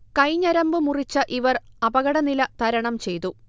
കൈ ഞരമ്ബ് മുറിച്ച ഇവർ അപകടനില തരണം ചെയ്തു